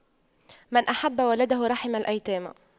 من أحب ولده رحم الأيتام